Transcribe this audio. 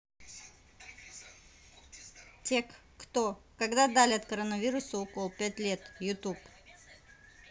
тек кто когда дали от коронавируса укол пять лет youtube